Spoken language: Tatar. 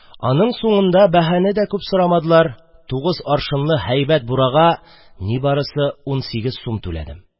Аның суңында баһаны да күп сорамадылар: тугыз аршынлы һәйбәт бурага нибарысы унсигез сум түләдем.